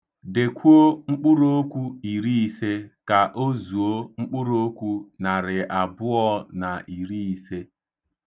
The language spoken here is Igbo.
Dekwuo mkpụrụokwu iri ise ka o zuo mkpụrụokwu narị abụọ na iri ise.